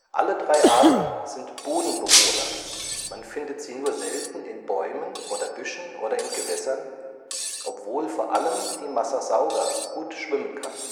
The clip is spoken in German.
Alle drei Arten sind Bodenbewohner, man findet sie nur selten in Bäumen oder Büschen oder in Gewässern, obwohl vor allem die Massassauga gut schwimmen kann